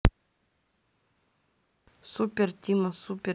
супер тима супер тима